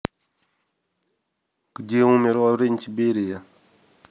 где умер лаврентий берия